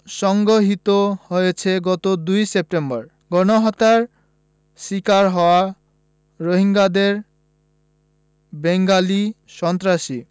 সংঘটিত হয়েছে গত ২ সেপ্টেম্বর গণহত্যার শিকার হওয়া রোহিঙ্গাদের বেঙ্গলি সন্ত্রাসী